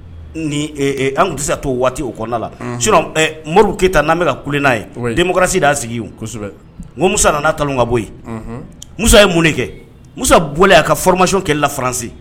Ni an tun tɛ se t'o waati o kɔnɔna la mori keyita n'a bɛ ka kule n'a ye densi y'a sigisɛbɛ musa nana ta ka bɔ yen mu ye mun kɛ musa bɔra'a ka foromasi kɛ lafaranse